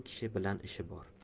kishi bilan ishi bor